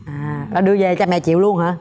à đưa về cha mẹ chịu luôn hả